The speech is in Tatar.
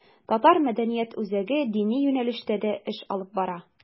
Татар мәдәният үзәге дини юнәлештә дә эш алып бара.